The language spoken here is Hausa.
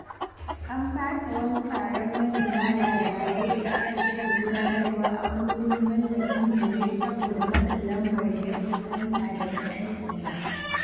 An fasa wani taron manema labarai da aka shirya gudanarwa a wani wuri mallakin Janeer saboda matsin lambar da ya fuskanta daga 'yan sanda.